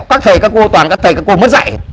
các thầy các cô toàn các thầy các cô mất dạy